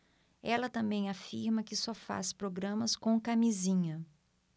ela também afirma que só faz programas com camisinha